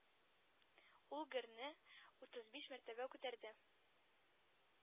Ул герне утызбиш мәртәбә күтәрде.